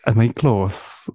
Am I close?